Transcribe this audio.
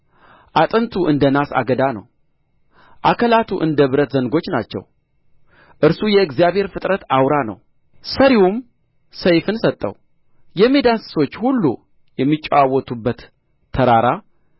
አጥንቱ እንደ ናስ አገዳ ነው አካላቱ እንደ ብረት ዘንጎች ናቸው እርሱ የእግዚአብሔር ፍጥረት አውራ ነው ሠሪውም ሰይፉን ሰጠው የሜዳ እንስሶች ሁሉ የሚጫወቱበት ተራራ